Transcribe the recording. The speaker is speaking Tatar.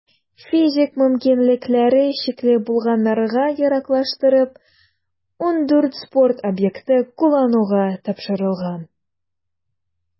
Физик мөмкинлекләре чикле булганнарга яраклаштырып, 14 спорт объекты куллануга тапшырылган.